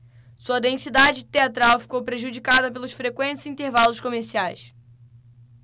sua densidade teatral ficou prejudicada pelos frequentes intervalos comerciais